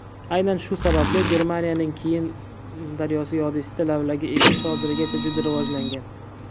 aynan shu sababli germaniyaning reyn daryosi vodiysida lavlagi ekish hozirgacha juda rivojlangan